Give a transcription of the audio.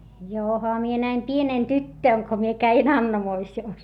johan minä näin pienenä tyttönä kun minä kävin Annamoisiossa